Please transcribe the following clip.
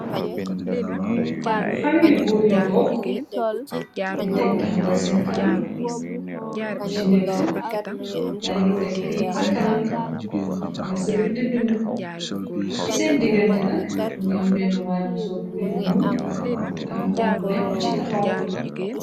Xale yu góor yu took ñu tek taxabal seen kanam ku ci nekk ya ngi teg k yit ca kanam nga sëgg di bind ci seen digante nak mu ngi am bennu waay bu soltubi bu ñuol ak mbuu bu wex bu ci taxaw.